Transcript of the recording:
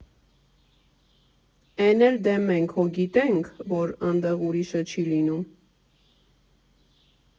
Էն էլ դե մենք հո գիտե՞նք, որ ընդեղ ուրիշը չի լինում…